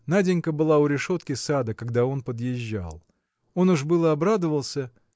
Наденька была у решетки сада, когда он подъезжал. Он уж было обрадовался